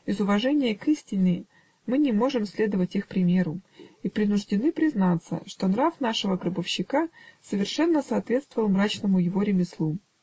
Из уважения к истине мы не можем следовать их примеру и принуждены признаться, что нрав нашего гробовщика совершенно соответствовал мрачному его ремеслу.